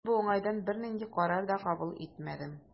Мин бу уңайдан бернинди карар да кабул итмәдем.